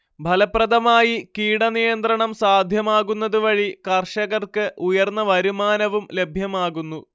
ഫലപ്രദമായി കീടനിയന്ത്രണം സാധ്യമാകുന്നതുവഴി കർഷകർക്ക് ഉയർന്ന വരുമാനവും ലഭ്യമാകുന്നു